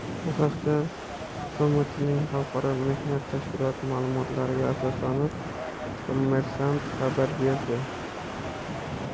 bu haqda bmtning xalqaro mehnat tashkiloti ma'lumotlariga asoslanib kommersant xabar berdi